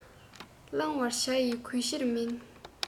བླང བར བྱ ཡི གུས ཕྱིར མིན